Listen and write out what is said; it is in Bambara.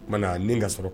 Oumana n ka sɔrɔ